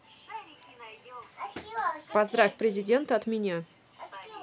поздравь президента от меня